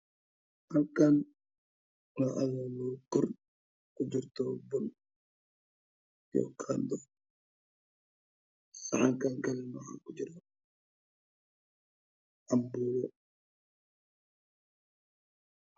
Halkana waaa ku jirto pun Iyo qaando saxan kaan kalana waxaa kula jiro canpuulo